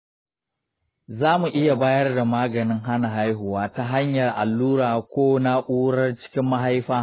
za mu iya bayar da maganin hana haihuwa ta hanyar, allura, ko na’urar cikin mahaifa.